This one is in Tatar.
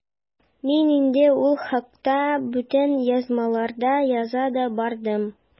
Мин инде ул хакта бүтән язмаларда яза да бардым.